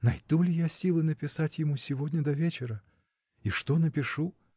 — Найду ли я силы написать ему сегодня до вечера? И что напишу?